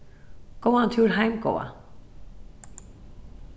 góðan túr heim góða